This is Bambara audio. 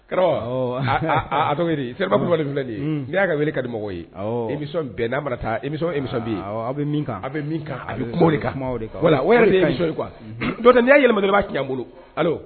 Toba filɛ de'i ya ye a ka wele ka di mɔgɔw ye , émission na ma na taa. bɛ sɔn bɛn na taa i sɔn emi aw bɛ bɛ a bɛ sɔn kuwa dɔ n' ye yɛlɛma dɔrɔn i ba tiɲɛ an bolo